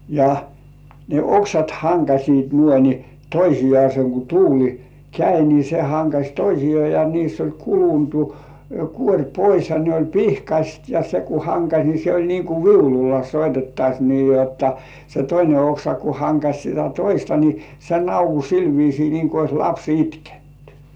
ja ne oksat hankasivat noin niin toisiaan kun tuuli kävi niin se hankasi toisiaan ja niissä oli kulunut kuori pois ja ne oli pihkaiset ja se kun hankasi niin se oli niin kuin viululla soitettaisiin niin jotta se toinen oksa kun hankasi sitä toista niin se naukui sillä viisiin niin kuin olisi lapsi itkenyt